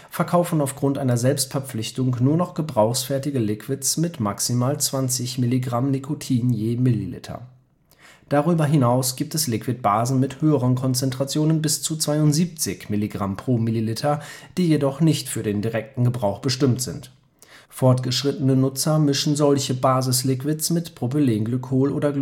verkaufen aufgrund einer Selbstverpflichtung nur noch gebrauchsfertige Liquids mit maximal 20 Milligramm Nikotin je Milliliter. Darüber hinaus gibt es Liquidbasen mit höheren Konzentrationen bis zu 72 Milligramm pro Milliliter, die jedoch nicht für den direkten Gebrauch bestimmt sind. Fortgeschrittene Nutzer mischen solche Basisliquids mit Propylenglycol oder